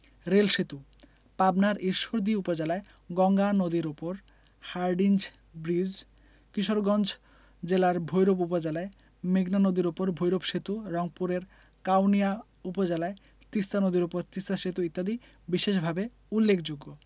rail সেতুঃ পাবনার ঈশ্বরদী উপজেলায় গঙ্গা নদীর উপর হার্ডিঞ্জ ব্রিজ কিশোরগঞ্জ জেলার ভৈরব উপজেলায় মেঘনা নদীর উপর ভৈরব সেতু রংপুরের কাউনিয়া উপজেলায় তিস্তা নদীর উপর তিস্তা সেতু ইত্যাদি বিশেষভাবে উল্লেখযোগ্য